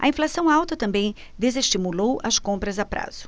a inflação alta também desestimulou as compras a prazo